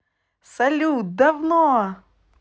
салют давно